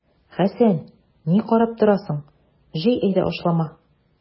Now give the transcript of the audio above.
Хәсән, ни карап торасың, җый әйдә ашлама!